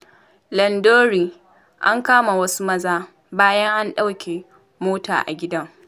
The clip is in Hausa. Londonderry: An kama wasu maza bayan an ɗauke mota a gidan